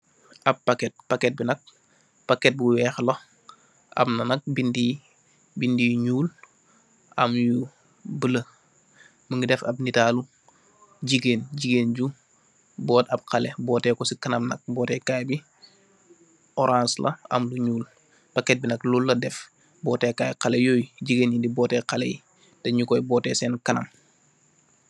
Ab pakket, pakket bi nak, pakket bu weex la, am nak bindë yu ñuul, am yu bulo, jef ab nataal jigéen, jigéen ju, boot ab xalé, booté ko si kanam, booté Kaay bi, orans la, am lu ñuul. Pakket bi nak, lool la def, botté kaay xalé tooy, të ñu kooy booté seen kanam.